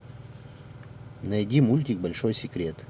найди мультик большой секрет